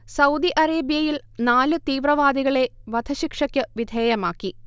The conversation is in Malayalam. സൗദി അറേബ്യയിൽ നാല് തീവ്രവാദികളെ വധശിക്ഷയ്ക്ക് വിധേയമാക്കി